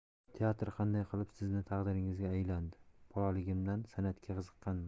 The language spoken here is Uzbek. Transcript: teatr qanday qilib sizni taqdiringizga aylandi bolaligimdan san'atga qiziqqanman